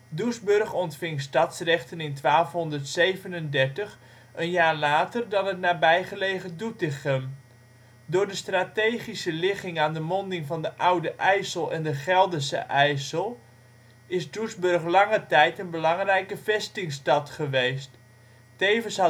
Doesburg ontving stadsrechten in 1237, een jaar later dan het nabijgelegen Doetinchem. Door de strategische ligging aan de monding van de Oude IJssel en de Gelderse IJssel, is Doesburg lange tijd een belangrijke vestingstad geweest. Tevens